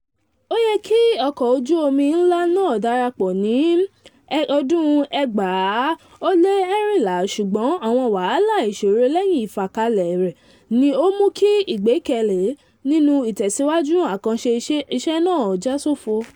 Ó yẹ kí ọkọ̀ ojú omi nlá náà darapọ̀ ní 2014, ṣùgbọ̀n àwọn wàhálà ìṣòro lẹ́yìn ìfakalẹ̀ rẹ̀ ní ó mú kí ìgbẹ́kẹ́lé nínú itẹ̀síwájú àkànṣe iṣẹ́ náà já sófo.